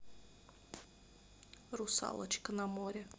русалочка на море